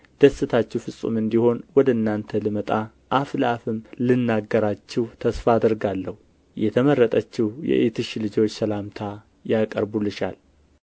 ደስታችሁ ፍጹም እንዲሆን ወደ እናንተ ልመጣ አፍ ለአፍም ልናገራችሁ ተስፋ አደርጋለሁ የተመረጠችው የእኅትሽ ልጆች ሰላምታ ያቀርቡልሻል